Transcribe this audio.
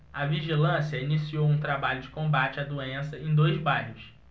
a vigilância iniciou um trabalho de combate à doença em dois bairros